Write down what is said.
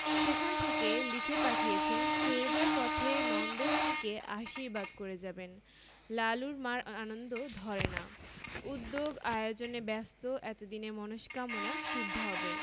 সেখান থেকে লিখে পাঠিয়েছেন ফেরবার পথে নন্দরানীকে আশীর্বাদ করে যাবেন লালুর মা'র আনন্দ ধরে না উদ্যোগ আয়োজনে ব্যস্ত এতদিনে মনস্কামনা সিদ্ধ হবে